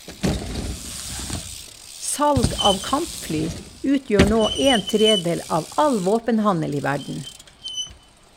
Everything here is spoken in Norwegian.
Salg av kampfly utgjør nå en tredel av all våpenhandel i verden.